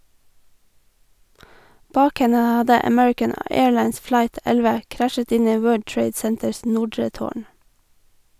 Bak henne hadde American Airlines Flight 11 krasjet inn i World Trade Centers nordre tårn.